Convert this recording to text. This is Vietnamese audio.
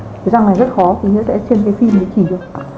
cái răng này rất kho tý nữa trên film sẽ chỉ cho